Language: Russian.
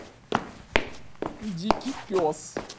дикий пес